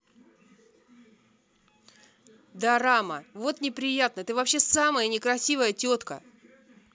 дорама вот неприятна ты вообще самая некрасивая тетка